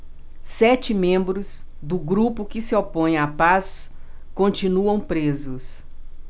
sete membros do grupo que se opõe à paz continuam presos